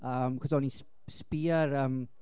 yym achos o'n s- i'n sbïo ar yym.